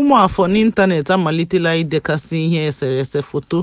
Ụmụafọ n'ịntaneetị a malitela idekasị ihe n'eserese foto